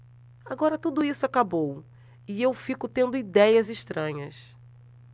agora tudo isso acabou e eu fico tendo idéias estranhas